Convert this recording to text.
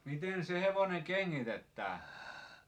miten se hevonen kengitetään